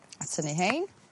a tynnu 'hein